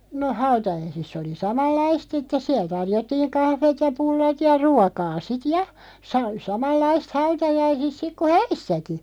no hautajaisissa oli samanlaista sitten siellä tarjottiin kahvit ja pullat ja ruokaa sitten ja - samanlaista hautajaisissa sitten kuin häissäkin